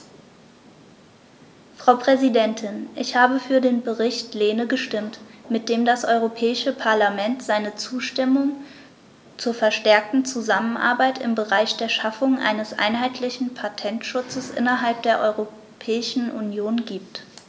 Frau Präsidentin, ich habe für den Bericht Lehne gestimmt, mit dem das Europäische Parlament seine Zustimmung zur verstärkten Zusammenarbeit im Bereich der Schaffung eines einheitlichen Patentschutzes innerhalb der Europäischen Union gibt.